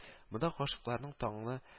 Монда гашыйкларның таңны